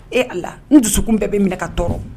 E a la ne dusu kun bɛɛ bɛ minɛ ka tɔɔrɔ